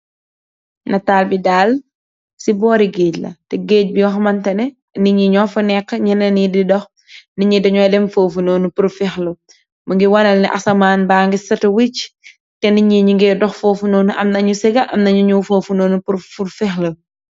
Natal bee dal cee bori gage la, cee gage boor hamann teh neh nith yeh nyo faneek, nyenel yee dii doh nith yee danno dem forfoo pur fehlu mu ngey waral neh asaman be mu nye sett wech, tah nith yee niu ngeh doh forfoo non am na niu saga am na niu nyow forfoo non purr fehlu.